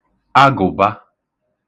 agụ̀ba